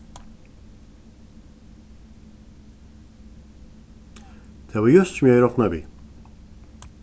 tað var júst sum eg hevði roknað við